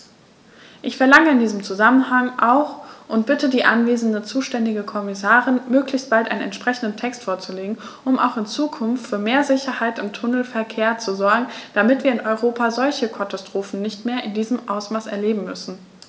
Ich verlange in diesem Zusammenhang auch und bitte die anwesende zuständige Kommissarin, möglichst bald einen entsprechenden Text vorzulegen, um auch in Zukunft für mehr Sicherheit im Tunnelverkehr zu sorgen, damit wir in Europa solche Katastrophen nicht mehr in diesem Ausmaß erleben müssen!